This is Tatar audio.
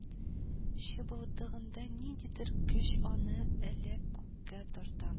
Чыбылдыгында ниндидер көч аны әле күккә тарта,